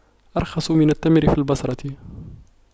أرخص من التمر في البصرة